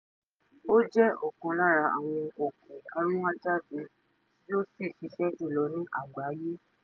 Ó jẹ́ ọ̀kan lára àwọn òkè-arúnájáde tí ó ṣiṣẹ́ jùlọ ní àgbáyé.